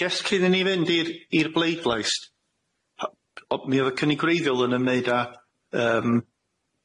Jyst cyn i ni fynd i'r i'r bleidlais o- mi o'dd y cynnig gwreiddiol yn ymwneud â yym